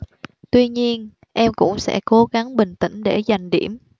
tuy nhiên em cũng sẽ cố gắng bình tĩnh để giành điểm